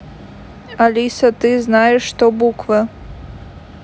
алиса ты знаешь что буквы